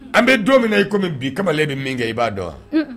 An bɛ don min na i komi min bi kamalenle bɛ min kɛ i b'a dɔn wa